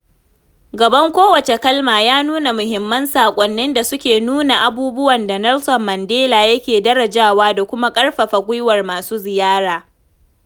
Gaban kowace kalma ya nuna muhimman saƙonnin da suka nuna abubuwan da Nelson Mandela yake darajawa da kuma ƙarfafa gwiwar masu ziyara.